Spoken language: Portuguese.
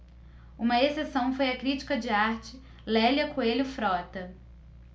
uma exceção foi a crítica de arte lélia coelho frota